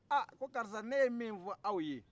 aa ko karisa ne ye min fɔ aw ye